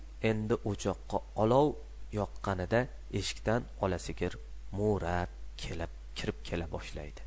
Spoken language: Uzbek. u endi o'choqqa olov yoqqanida eshikdan ola sigir mo''rab kirib keladi